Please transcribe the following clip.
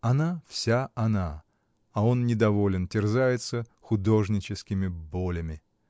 Она — вся она, а он недоволен, терзается художническими болями!